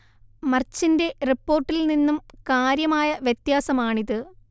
മർച്ചിന്റെ റിപ്പോർട്ടിൽ നിന്നും കാര്യമായ വ്യത്യാസമാണിത്